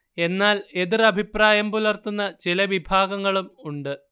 എന്നാൽ എതിർ അഭിപ്രായം പുലർത്തുന്ന ചില വിഭാഗങ്ങളും ഉണ്ട്